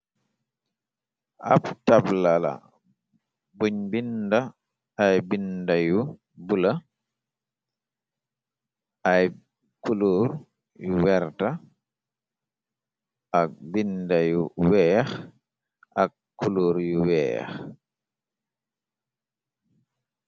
Ab tablala buñ binda ay binda yu bula ay kulóur yu werta ak binda yu weex ak kulur yu weex.